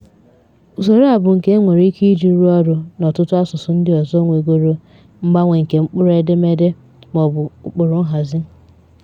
Usoro a bụ nke e nwere ike iji rụọ ọrụ n'ọtụtụ asụsụ ndị ọzọ nwegoro mgbanwe nke mkpụrụ edemede maọbụ n'ụkpụrụ nhazi.